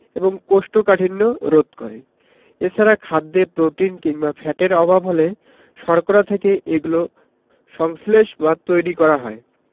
এবং কোষ্ঠকাঠিন্য রোধ করে এছাড়া খাদ্যে প্রোটিন কিংবা ফ্যাটের অভাব হলে শর্করা থেকে এগুলো সংশ্লেষ বা তৈরী করা হয়